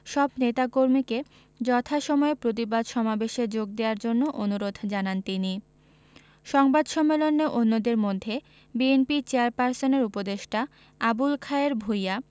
সব নেতাকর্মীকে যথাসময়ে প্রতিবাদ সমাবেশে যোগ দেয়ার জন্য অনুরোধ জানান তিনি সংবাদ সম্মেলনে অন্যদের মধ্যে বিএনপি চেয়ারপারসনের উপদেষ্টা আবুল খায়ের ভূইয়া